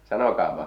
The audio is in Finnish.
sanokaapa